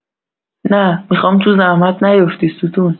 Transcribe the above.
نه، میخوام تو زحمت نیوفتی ستون